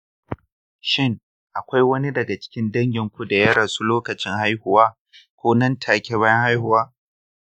shin akwai wani daga cikin danginku da ya rasu a lokacin haihuwa ko nan-take bayan haihuwa?